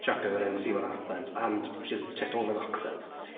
Chuck her in, see what happens and she's ticked all the boxes.